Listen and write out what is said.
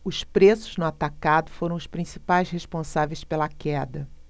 os preços no atacado foram os principais responsáveis pela queda